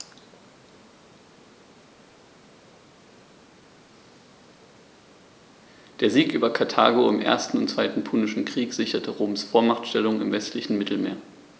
Der Sieg über Karthago im 1. und 2. Punischen Krieg sicherte Roms Vormachtstellung im westlichen Mittelmeer.